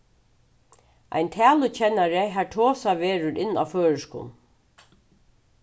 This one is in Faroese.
ein talukennari har tosað verður inn á føroyskum